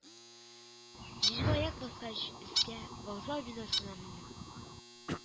Иргә аяк баскач, өскә — вокзал бинасына мендем. л